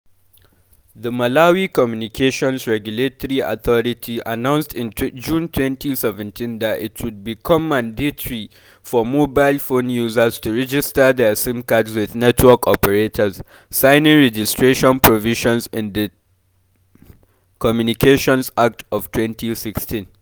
The Malawi Communications Regulatory Authority announced in June 2017 that it would become mandatory for mobile phone users to register their SIM cards with network operators, citing registration provisions in the Communications Act of 2016.